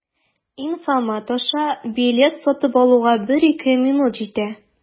Инфомат аша билет сатып алуга 1-2 минут китә.